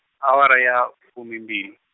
awara ya, fumi mbili.